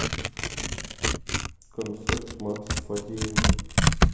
концерт макса фадеева